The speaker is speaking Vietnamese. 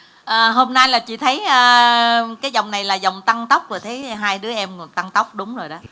ờ hôm nay là chị thấy ơ cái vòng này là vòng tăng tốc và thấy hai đứa em tăng tốc đúng rồi đó